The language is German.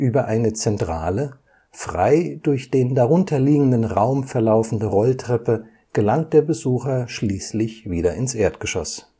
Über eine zentrale, frei durch den darunter liegenden Raum verlaufende Rolltreppe gelangt der Besucher schließlich wieder ins Erdgeschoss